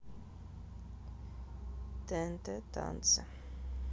тнт танцы